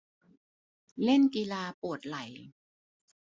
เล่นกีฬาปวดไหล่